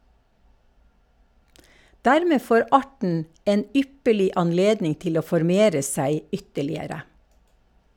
Dermed får arten en ypperlig anledning til å formere seg ytterligere.